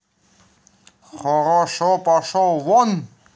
хорошо пошел вон